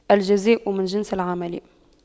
الجزاء من جنس العمل